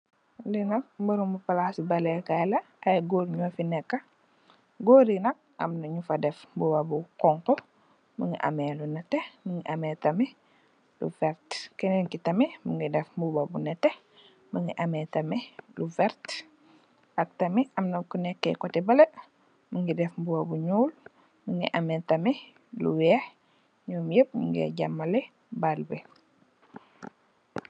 Li nak barabi palasi ball le kay la ay gór ñu fi nekka. Gór yi nak am na ñu fa dèf mbuba bu xonxu, mugii ameh lu netteh, mugii ameh tamit lu werta, kenenki tamit mugii def mbuba bu netteh mugii ameh tamit lu werta. Ak tamit am na ku nekkè koteh baleh mugii dèf mbuba bu ñuul mugii ameh tamit lu wèèx ñom ñep ñu nge jamali bal bi.